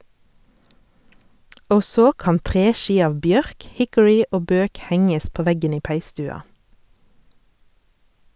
Og så kan treski av bjørk, hickory og bøk henges på veggen i peisestua.